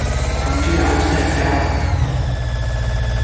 “Kun tuna amsarta?